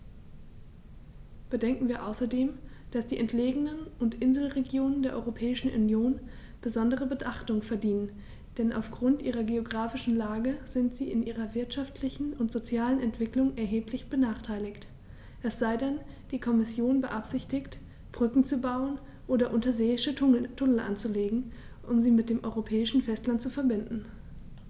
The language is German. Bedenken wir außerdem, dass die entlegenen und Inselregionen der Europäischen Union besondere Beachtung verdienen, denn auf Grund ihrer geographischen Lage sind sie in ihrer wirtschaftlichen und sozialen Entwicklung erheblich benachteiligt - es sei denn, die Kommission beabsichtigt, Brücken zu bauen oder unterseeische Tunnel anzulegen, um sie mit dem europäischen Festland zu verbinden.